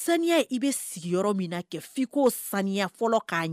Saniya i bɛ sigiyɔrɔ min kɛ' ko saniya fɔlɔ k'